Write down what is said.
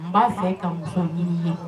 Baa fɛ ka sɔn jiri ye